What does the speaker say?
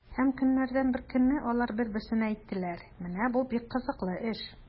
Һәм көннәрдән бер көнне алар бер-берсенә әйттеләр: “Менә бу бик кызыклы эш!”